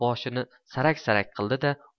boshini sarak sarak qildi da